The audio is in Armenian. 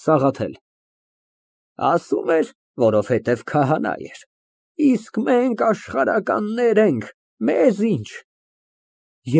ՍԱՂԱԹԵԼ ֊ Ասում էր, որովհետև քահանա էր, իսկ մենք աշխարհականներ ենք, մե՞զ ինչ։